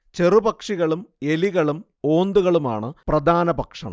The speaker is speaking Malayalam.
ചെറു പക്ഷികളും എലികളും ഓന്തുകളുമാണ് പ്രധാന ഭക്ഷണം